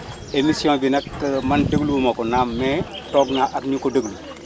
émission bi nag man dégluwuma ko naam toog naa ak ñu ko déglu